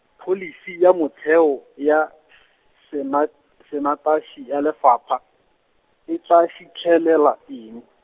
pholisi ya motheo, ya, s- senat-, senatasi ya lefapha, e tla fitlhelela eng?